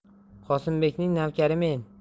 qosimbekning navkarimen